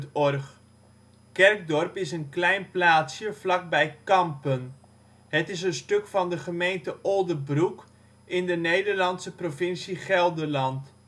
OL Kerkdorp Plaats in Nederland Situering Provincie Gelderland Gemeente Oldebroek Coördinaten 52° 29′ NB, 5° 54′ OL Portaal Nederland Kerkdorp is een klein plaatsje vlak bij Kampen. Het is een stuk van de gemeente Oldebroek, in de Nederlandse provincie Gelderland